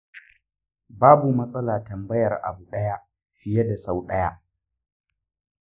babu matsala tambayar abu ɗaya fiye da sau ɗaya.